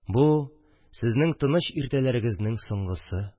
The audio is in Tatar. Бу – сезнең тыныч иртәләрегезнең соңгысы